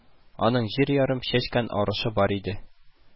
Аның җир ярым чәчкән арышы бар иде